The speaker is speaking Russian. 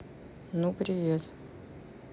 ну привет